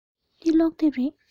འདི སློབ དེབ རེད